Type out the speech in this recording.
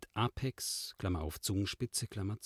Apex (Zungenspitze) Korona